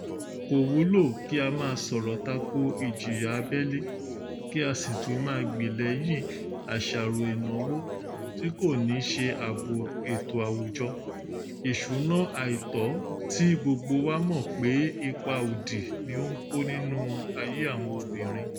Kò wúlò kí a máa sọ̀rọ̀ tako ìjìyà abẹ́lé kí a sì tún máa gbèlẹ́yìn àṣàrò ìnáwó tí kò ní ṣe ààbò ètò àwùjọ, ìṣúná àìtó tí gbogbo wa mọ̀ pé ipa òdì ni ó ń kó nínú ayé àwọn obìnrin.